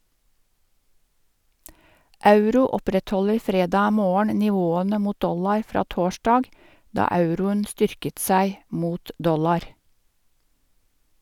Euro opprettholder fredag morgen nivåene mot dollar fra torsdag, da euroen styrket seg mot dollar.